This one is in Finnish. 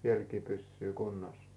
vieläkin pysyy kunnossa